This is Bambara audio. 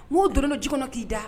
Maaw'ou donnana j kɔnɔ k'i da